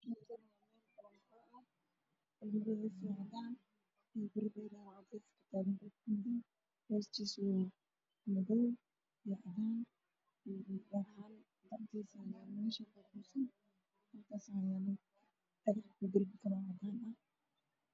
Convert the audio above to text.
Meeshaan waa guri dabaqa korkiisa waxaa iga muuqda shaqo soo lara ayaa saaran kiisa oo madow dhulka